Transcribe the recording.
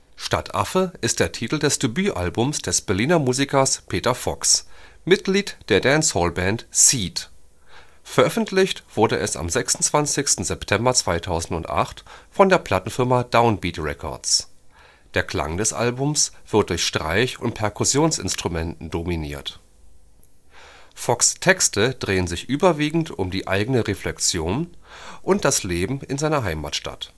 Stadtaffe ist der Titel des Debütalbums des Berliner Musikers Peter Fox, Mitglied der Dancehall-Band Seeed. Veröffentlicht wurde es am 26. September 2008 von der Plattenfirma Downbeat Records. Der Klang des Albums wird durch Streich - und Perkussionsinstrumenten dominiert. Fox ' Texte drehen sich überwiegend um die eigene Reflexion und das Leben in seiner Heimatstadt